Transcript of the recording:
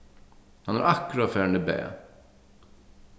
hann er akkurát farin í bað